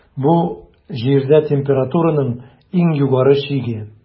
Бу - Җирдә температураның иң югары чиге.